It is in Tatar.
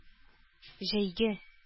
Җәйге